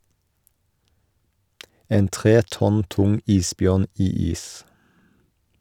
En tre tonn tung isbjørn i is.